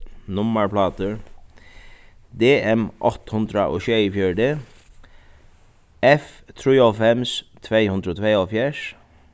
nummarplátur d m átta hundrað og sjeyogfjøruti f trýoghálvfems tvey hundrað og tveyoghálvfjerðs